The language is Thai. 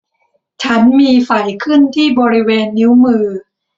ฉันมีไฝขึ้นที่บริเวณนิ้วมือ